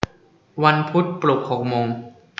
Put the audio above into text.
วันพุธปลุกหกโมง